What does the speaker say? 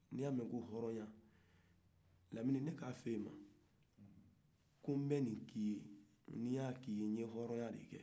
n'i y'a mɛ ko hɔɔrɔn ya lamini ne k'a f'e ma ko nbe nin k'i ye ko nbɛ nin k'i ye nin ya k'i ye ye hɔɔrɔnya de kɛ